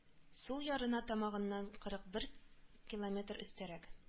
Сул ярына тамагыннан кырык бер километр өстәрәк